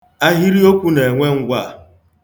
Ahịrịokwu na-enwe ngwaa.